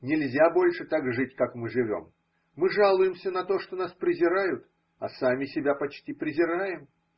Нельзя больше так жить, как мы живем: мы жалуемся на то, что нас презирают, а сами себя почти презираем.